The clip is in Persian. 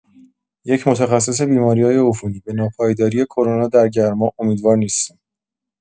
یک متخصص بیماری‌های عفونی: به ناپایداری کرونا در گرما امیدوار نیستیم.